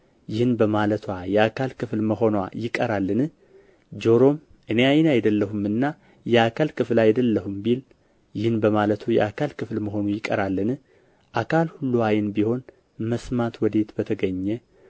ይህን በማለትዋ የአካል ክፍል መሆንዋ ይቀራልን ጆሮም እኔ ዓይን አይደለሁምና የአካል ክፍል አይደለሁም ቢል ይህን በማለቱ የአካል ክፍል መሆኑ ይቀራልን አካል ሁሉ ዓይን ቢሆን መስማት ወዴት በተገኘ